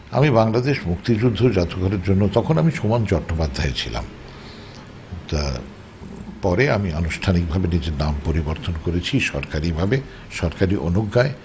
আমি বাংলাদেশ মুক্তিযুদ্ধ জাদুঘর এর জন্য তখন আমি সুমন চট্টোপাধ্যায় ছিলাম তা পরে আমি আনুষ্ঠানিকভাবে নিজের নাম পরিবর্তন করেছি সরকারিভাবে সরকারি অনুজ্ঞায়